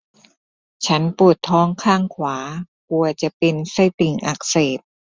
ฉันปวดท้องข้างขวากลัวจะเป็นไส้ติ่งอักเสบ